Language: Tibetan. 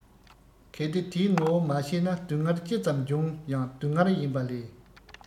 གལ ཏེ དེའི ངོ བོ མ ཤེས ན སྡུག བསྔལ ཅི ཙམ འབྱུང ཡང སྡུག བསྔལ ཡིན པ ལས